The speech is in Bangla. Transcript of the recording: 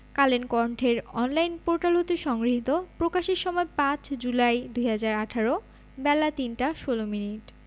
কালের কন্ঠের অনলাইন পোর্টাল হতে সংগৃহীত প্রকাশের সময় ৫ জুলাই ২০১৮ বেলা ৩টা ১৬ মিনিট